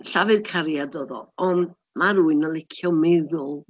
Llafur cariad oedd o, ond ma' rywun yn licio meddwl.